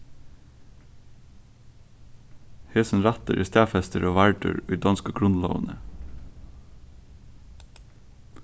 hesin rættur er staðfestur og vardur í donsku grundlógini